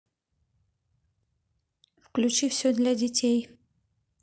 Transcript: включи все для детей